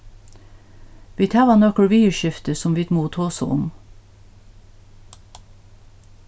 vit hava nøkur viðurskifti sum vit mugu tosa um